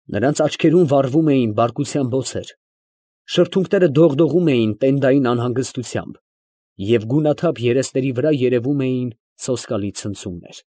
Նրանց աչքերում վառվում էին բարկության բոցեր, շրթունքները դողդողում էին տենդային անհանգստությամբ և գունաթափ երեսների վրա երևում էին սոսկալի ցնցումներ։